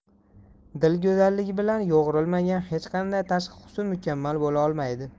dil go'zalligi bilan yo'g'rilmagan hech qanday tashqi husn mukammal bo'la olmaydi